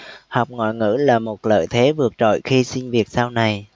học ngoại ngữ là một lợi thế vượt trội khi xin việc sau này